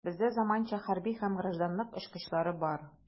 Бездә заманча хәрби һәм гражданлык очкычлары бар.